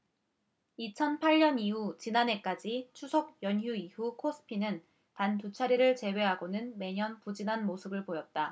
이천 팔 년 이후 지난해까지 추석 연휴 이후 코스피는 단 두 차례를 제외하고는 매년 부진한 모습을 보였다